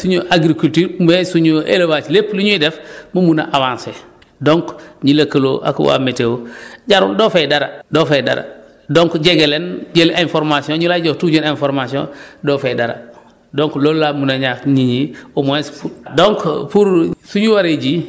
donc damay ñaax nit ñi au moins pour ñu mun a suñu agriculture mais suñu élevage yëpp lu ñuy def mu mun a arranger donc ñu lëkkaloo ak waa météo jarul doo fay dara doo fay dara donc jege leen jël information ñu lay jox toujours information doo fay dara donc loolu laa mun a ñaax nit ñi